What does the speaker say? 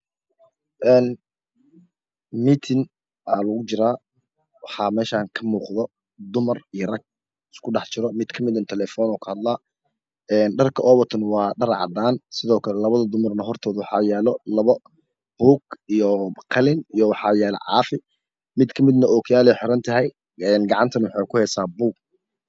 Een metin alagujira waxa meshan kamuqdo dumar iyo reg iskudhaxjiro midkamid ah talefon nukuhadlaya Een dharka uwato waa dharcadaan sidokalan Labada dumar hortod waxa yalo Labobuug iyo qalin iyo waxayalo caafimidkamid ahna okiyaley xirantahay gacantanawaxaykuheysaa buug